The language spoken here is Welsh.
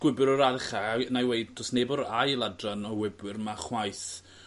gwibwyr o ran ucha w- nai do's neb o'r ail adran o wybwyr 'ma chwaith ...